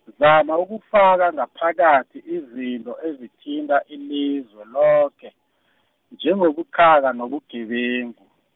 Zama ukufaka ngaphakathi izinto ezithinta ilizwe loke, njengobuqhaka nobugebengu.